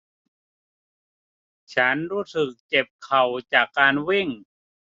ฉันรู้สึกเจ็บเข่าจากการวิ่ง